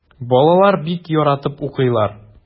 Балалар бик яратып укыйлар.